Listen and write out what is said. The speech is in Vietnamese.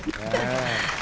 à